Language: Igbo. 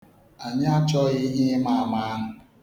Anyị achọghị ihe ịma ama ahụ.